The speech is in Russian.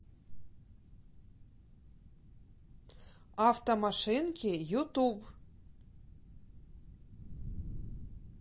автомашинки ютуб